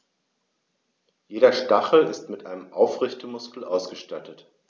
Jeder Stachel ist mit einem Aufrichtemuskel ausgestattet.